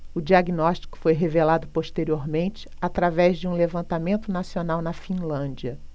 o diagnóstico foi revelado posteriormente através de um levantamento nacional na finlândia